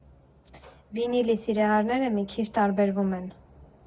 «Վինիլի սիրահարները մի քիչ տարբերվում են։